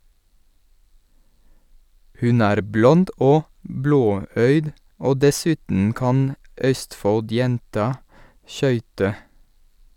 Hun er blond og blåøyd, og dessuten kan Østfold-jenta skøyte.